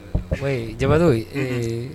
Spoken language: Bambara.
Jabadɔ